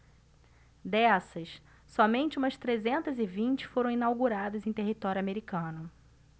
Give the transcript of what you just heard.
dessas somente umas trezentas e vinte foram inauguradas em território americano